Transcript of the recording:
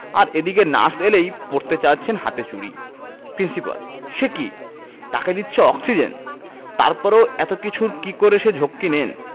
আর এদিকে নার্স এলেই পরতে চাইছেন হাতে চুড়ি প্রিন্সিপাল সে কি তাকে দিচ্ছে অক্সিজেন তারপরেও এত কিছুর কি করে যে ঝক্কি নেন